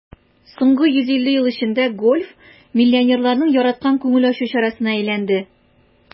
Соңгы 150 ел эчендә гольф миллионерларның яраткан күңел ачу чарасына әйләнде.